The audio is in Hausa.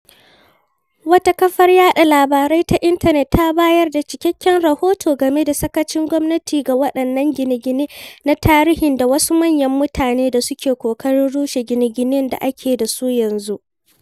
Wata kafar yaɗa labarai ta intanet ta bayar da cikakken rahoto game da sakacin gwamnati ga waɗannan gine-gine na tarihi da wasu manyan mutane da suke ƙoƙari rushe gine-ginen da ake da su yanzu: